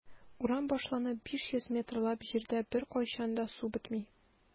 Урам башланып 500 метрлап җирдә беркайчан да су бетми.